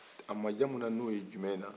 a majamuna ni o ye jumɛn na